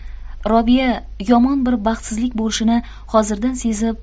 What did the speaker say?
robiya yomon bir baxtsizlik bo'lishini hozirdan sezib